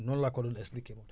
noonu laa ko doon expliqué